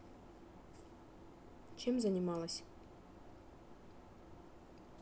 чем занималась